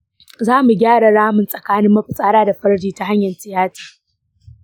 za mu gyara ramin tsakanin mafitsara da farji ta hanyar tiyata.